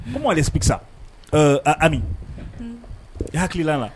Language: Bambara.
Kuma de sigi sa a hakilila' la